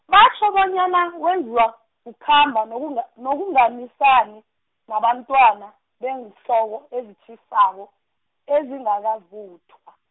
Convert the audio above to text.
batjho bonyana wenziwa, kukhamba nokuga- nokunganisani nabantwana beenhloko ezitjhisako, ezingakavuthwa.